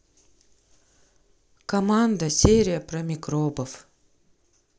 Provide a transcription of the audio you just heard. команда серия про микробов